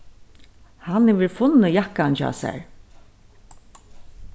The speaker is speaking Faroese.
hann hevur funnið jakkan hjá sær